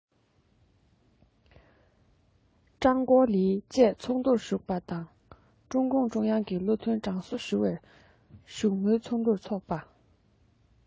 ཀྲང ཀའོ ལི བཅས ཚོགས འདུར ཞུགས པ དང ཀྲུང གུང ཀྲུང དབྱང གིས བློ མཐུན དྲན གསོ ཞུ བའི བཞུགས མོལ ཚོགས འདུ འཚོགས པ